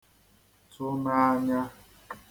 tụ n'ānyā